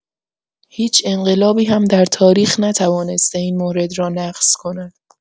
هیچ انقلابی هم در تاریخ نتوانسته این مورد را نقص کند.